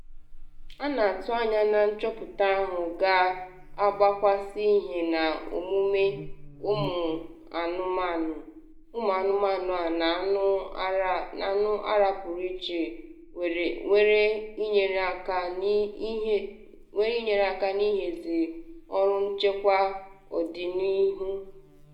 A na-atụ anya na nchọpụta ahụ ga-agbakwasa ihie na omume ụmụ-anụmanụ a na-anụ ara pụrụ iche were nyere aka n’ihazi ọrụ nchekwa ọdịnihu.